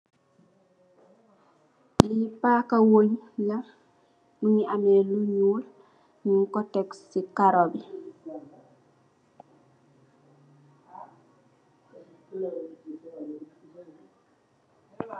Li Paaka weñ la, mugii ameh lu ñuul ñing ko tek ci karó bi.